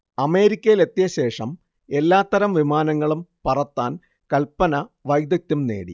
അമേരിക്കയിലെത്തിയ ശേഷം എല്ലാത്തരം വിമാനങ്ങളും പറത്താൻ കൽപന വൈദഗ്ദ്ധ്യം നേടി